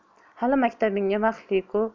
hali maktabingga vaqtli ku